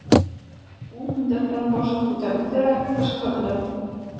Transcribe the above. Ул мендәрдән башын күтәрде дә, кычкырды.